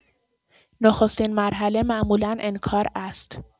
نخستین مرحله معمولا انکار است.